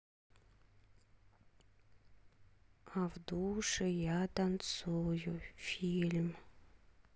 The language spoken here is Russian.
а в душе я танцую фильм